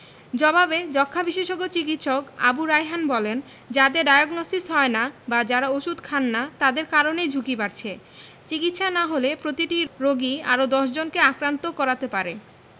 জবাবে যক্ষ্মা বিশেষজ্ঞ চিকিৎসক আবু রায়হান বলেন যাদের ডায়াগনসিস হয় না বা যারা ওষুধ খান না তাদের কারণেই ঝুঁকি বাড়ছে চিকিৎসা না হলে প্রতিটি রোগী আরও ১০ জনকে আক্রান্ত করাতে পারে